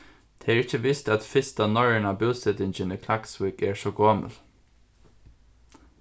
tað er ikki vist at fyrsta norrøna búsetingin í klaksvík er so gomul